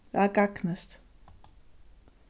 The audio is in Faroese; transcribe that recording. væl gagnist